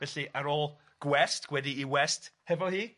Felly ar ôl gwest, gwedi i west hefo hi